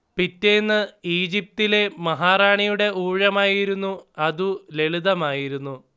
പിറ്റേന്നു ഈജിപ്തിലെ മഹാറാണിയുടെ ഊഴമായിരുന്നു അതു ലളിതമായിരുന്നു